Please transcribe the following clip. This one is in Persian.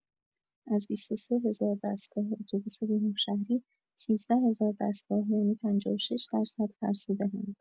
از ۲۳ هزار دستگاه اتوبوس برون‌شهری ۱۳ هزار دستگاه یعنی ۵۶ درصد فرسوده‌اند.